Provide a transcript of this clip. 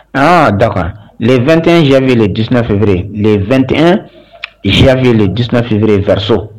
Aa da kan 2tɛn sivfirilen dusuina fieere 2tɛn siyafie dusuina fibere vriso